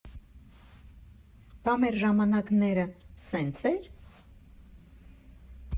Բա մեր ժամանակները սե՞նց էր։